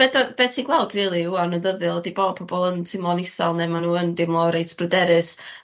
be' 'da be' ti'n gweld rili ŵan yn ddyddiol 'di bo' pobol yn timlo'n isal ne' ma' n'w yn deimlo reit bryderus